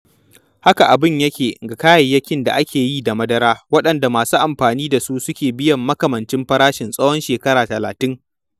Haka abin yake ga kayayyakin da ake yi da madara, waɗanda masu amfani da su suke biyan makamancin farashin tsawon shekara talatin.